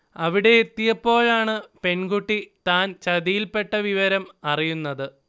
അവിടെ എത്തിയപ്പോഴാണ് പെൺകുട്ടി താൻ ചതിയിൽപ്പെട്ട വിവരം അറിയുന്നത്